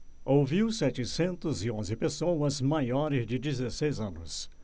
ouviu setecentos e onze pessoas maiores de dezesseis anos